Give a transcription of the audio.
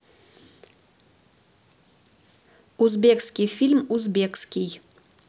узбекский фильм узбекский